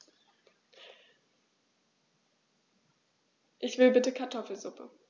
Ich will bitte Kartoffelsuppe.